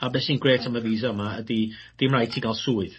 A be' sy'n grêt am y visa yma ydi ddim raid ti ga'l swydd.